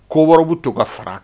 Koɔrɔ bɛ to ka fara